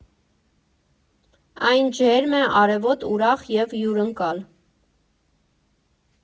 Այն ջերմ է, արևոտ, ուրախ և հյուրընկալ։